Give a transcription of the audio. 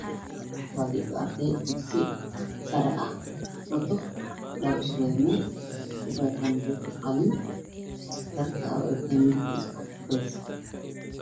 Waa gabdho arday dugsi sare ah wato dhar isku eg buugii qalma gacanta ku watarkoodu dharkey wataan caddaan